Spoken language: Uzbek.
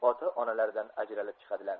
ota onalaridan ajralib chiqadilar